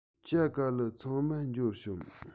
ཇ ག ལི ཚང མ འབྱོར བྱུང